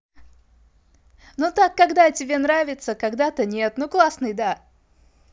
ну так когда тебе нравится когда то нет ну классный да